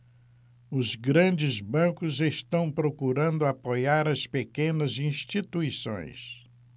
os grandes bancos estão procurando apoiar as pequenas instituições